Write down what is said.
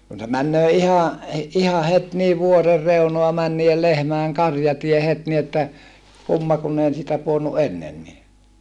kun se menee ihan ihan heti niin vuoren reunaa meni niiden lehmien karjatie heti niin että kumma kun ei siitä pudonnut ennenkin